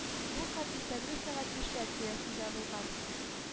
Бу хәл иртәнге сәгать бишләр тирәсендә булган